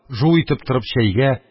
Жу-у-у!» итеп торып чәйгә,